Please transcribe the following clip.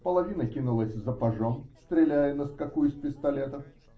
половина кинулась за пажом, стреляя на скаку из пистолетов.